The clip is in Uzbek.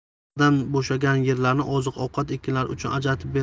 paxtadan bo'shagan yerlarni oziq ovqat ekinlari uchun ajratib berdik